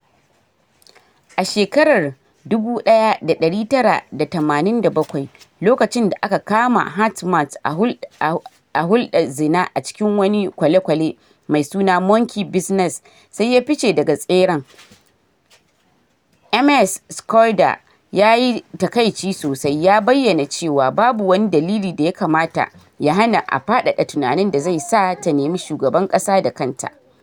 A shekarar 1987, lokacin da aka kama Mr Hart a hulda zina a cikin wani kwale-kwale mai suna Monkey Business sai ya fice daga tseren, Ms. Schroeder ya yi takaici sosai, ya bayyana cewa babu wani dalili da ya kamata ya hana a faɗaɗa tunanin da zai sa ta nemi shugaban ƙasa da kanta.